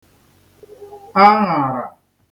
aṅàrà